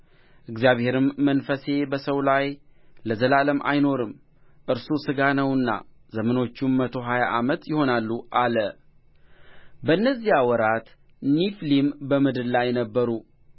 እግዚአብሔርም መንፈሴ በሰው ላይ ለዘላለም አይኖርም እርሱ ሥጋ ነውና ዘመኖቹም መቶ ሀያ ዓመት ይሆናሉ አለ በእነዚያ ወራት ኔፊሊም በምድር ላይ ነበሩ